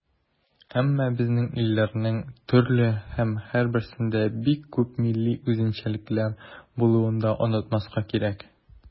Әмма безнең илләрнең төрле һәм һәрберсендә бик күп милли үзенчәлекләр булуын да онытмаска кирәк.